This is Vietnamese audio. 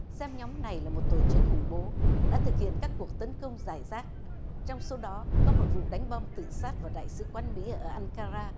xem nhóm này là một tổ chức khủng bố đã thực hiện các cuộc tấn công rải rác trong số đó có một vụ đánh bom tự sát vào đại sứ quán mỹ ở an ca ra